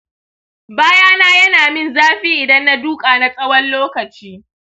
bayana yana min zafi idan na duka na sawon lokaci